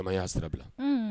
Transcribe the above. Y'a sira bila